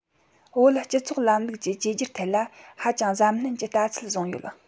བོད སྤྱི ཚོགས ལམ ལུགས ཀྱི བཅོས བསྒྱུར ཐད ལ ཧ ཅང གཟབ ནན གྱི ལྟ ཚུལ བཟུང ཡོད